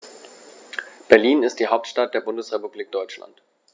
Berlin ist die Hauptstadt der Bundesrepublik Deutschland.